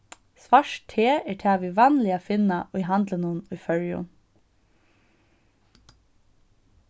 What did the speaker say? svart te er tað vit vanliga finna í handlunum í føroyum